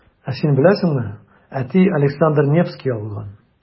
Ә син беләсеңме, әти Александр Невский алган.